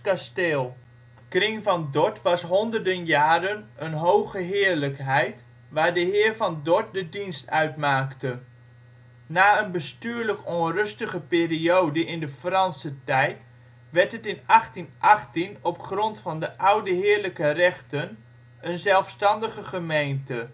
kasteel. Kring van Dorth was honderden jaren een hoge heerlijkheid waar de heer van Dorth de dienst uitmaakte. Na een bestuurlijk onrustige periode in de Franse tijd werd het in 1818 op grond van de oude heerlijke rechten een zelfstandige gemeente.